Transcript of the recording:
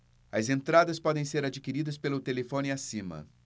as entradas podem ser adquiridas pelo telefone acima